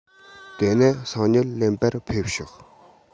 དེ ན སང ཉིན ལེན པར ཕེབས ཤོག